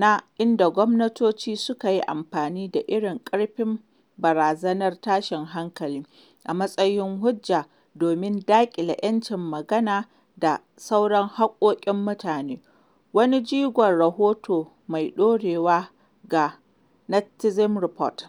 na inda gwamnatoci suka yi amfani da irin ƙarfin barazanar tashin hankali, a matsayin hujja domin daƙile ‘yancin magana da sauran haƙƙoƙin mutane. Wani jigon rahoto mai ɗorewa ga Netizen Report .